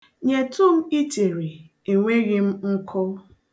Nyetụ m ichere, enweghị m nkụ.